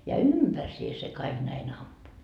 ja ympärsiin se kaikki näin ampui